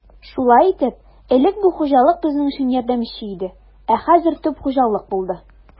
Шулай итеп, элек бу хуҗалык безнең өчен ярдәмче иде, ә хәзер төп хуҗалык булды.